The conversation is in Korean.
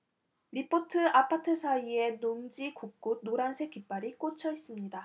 리포트 아파트 사이의 농지 곳곳 노란색 깃발이 꽂혀 있습니다